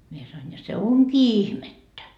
minä sanoin ja se onkin ihmettä